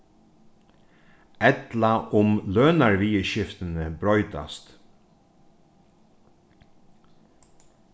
ella um lønarviðurskiftini broytast